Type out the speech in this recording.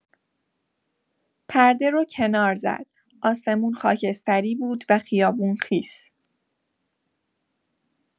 پرده رو کنار زد، آسمون خاکستری بود و خیابون خیس.